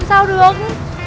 sao được